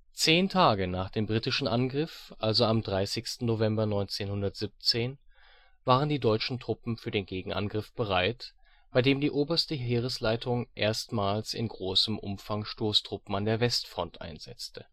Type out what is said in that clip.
Zehn Tage nach dem britischen Angriff, also am 30. November 1917, waren die deutschen Truppen für den Gegenangriff bereit, bei dem die Oberste Heeresleitung erstmals in großem Umfang Stoßtruppen an der Westfront einsetzte